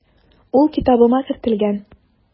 Ул китабыма кертелгән.